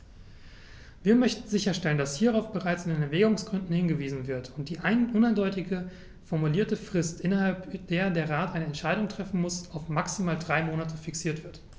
Wir möchten sicherstellen, dass hierauf bereits in den Erwägungsgründen hingewiesen wird und die uneindeutig formulierte Frist, innerhalb der der Rat eine Entscheidung treffen muss, auf maximal drei Monate fixiert wird.